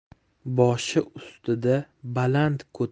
boshi ustida baland